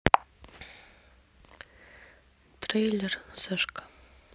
трейлер сашка